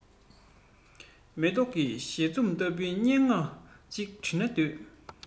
མེ ཏོག གི བཞད འཛུམ ལྟ བུའི སྙན ངག ཅིག འབྲི ན འདོད